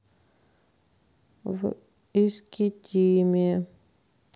в искитиме